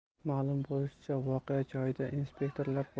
ma'lum bo'lishicha voqea joyiga inspektorlar